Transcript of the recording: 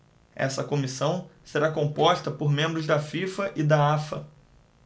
essa comissão será composta por membros da fifa e da afa